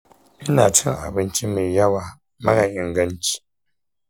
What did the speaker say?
ina cin abinci mai yawa marar inganci